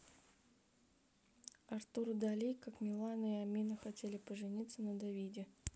артур дали как милана и амина хотели пожениться на давиде